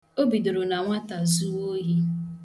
O bidoro na nwata zuwa ohi.